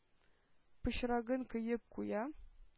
Пычрагын коеп куя.